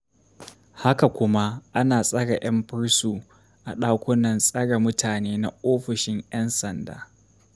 Haka kuma ana tsare yan bursu a dakunan tsare mutane na ofishin yan sanda.